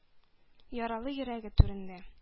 Яралы йөрәге түрендә.